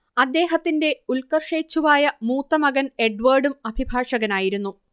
അദ്ദേഹത്തിന്റെ ഉൽക്കർഷേച്ഛുവായ മൂത്തമകൻ എഡ്വേർഡും അഭിഭാഷകനായിരുന്നു